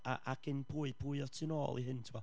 A a gan pwy, pwy oedd tu nôl i hyn, tibod?